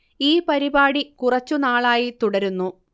ഈ പരിപാടി കുറച്ചു നാളായി തുടരുന്നു